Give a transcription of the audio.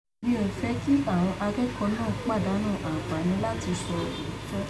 Mi ò fẹ́ kí àwọn akẹ́kọ̀ọ́ yẹn pàdánù àǹfààní láti sọ òótọ́.